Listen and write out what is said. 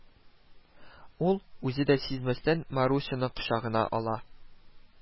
Ул, үзе дә сизмәстән, Марусяны кочагына ала